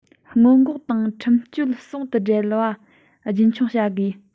སྔོན འགོག དང ཁྲིམས གཅོད ཟུང དུ སྦྲེལ བ རྒྱུན འཁྱོངས བྱ དགོས